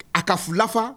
A kafafan